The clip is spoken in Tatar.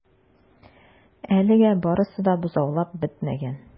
Әлегә барысы да бозаулап бетмәгән.